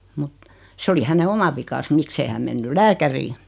mutta se oli hänen oma vikansa miksi ei hän mennyt lääkäriin